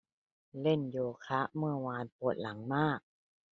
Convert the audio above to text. เล่นโยคะเมื่อวานปวดหลังมาก